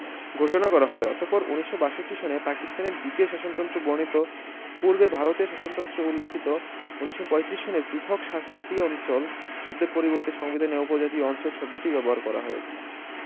ঘোষণা করা হয়্ অতপর ১৯৬২ সনে পাকিস্তানের দ্বিতীয় শাসনতন্ত্রে বর্ণিত পূর্বে ভারতীয় শাসনতন্ত্রে উল্লিখিত ১৯৩৫ সনের পৃথক শাস্তি অঞ্চল শব্দের পরিবর্তে সংবিধানে উপজাতীয় অঞ্চল শব্দটি ব্যবহার করা হয়েছে